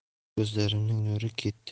ko'zlarimning nuri ketdi